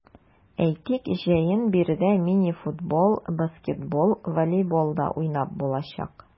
Әйтик, җәен биредә мини-футбол, баскетбол, волейбол да уйнап булачак.